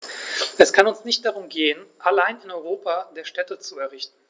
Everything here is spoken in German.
Es kann uns nicht darum gehen, allein ein Europa der Städte zu errichten.